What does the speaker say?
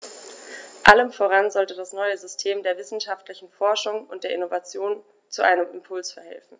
Allem voran sollte das neue System der wissenschaftlichen Forschung und der Innovation zu einem Impuls verhelfen.